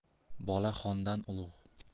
bola xondan ulug'